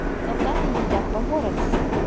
солдаты едят по городу